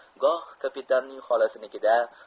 goh kapitanning xolasinikida